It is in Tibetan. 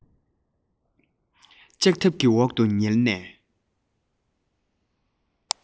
ལྕགས ཐབ ཀྱི འོག ཏུ ཉལ ནས